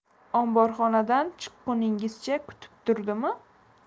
omborxonadan chiqquningizcha kutib turdimi